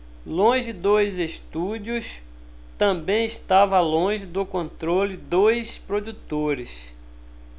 longe dos estúdios também estava longe do controle dos produtores